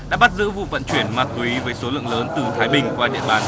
đã bắt giữ vụ vận chuyển ma túy với số lượng lớn từ thái bình qua địa bàn